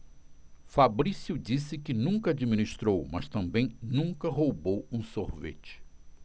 fabrício disse que nunca administrou mas também nunca roubou um sorvete